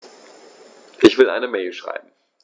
Ich will eine Mail schreiben.